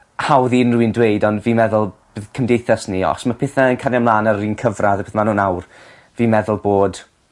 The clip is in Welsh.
hawdd i unryw un dweud ond fi'n meddwl bdd cymdeithas ni os ma' pethe yn cario mlan ar yr un cyfradd a beth ma' n'w nawr fi'n meddwl bod